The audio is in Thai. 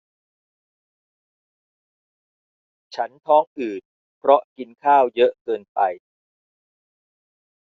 ฉันท้องอืดเพราะกินข้าวเยอะเกินไป